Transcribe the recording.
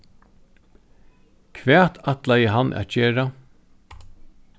hvat ætlaði hann at gera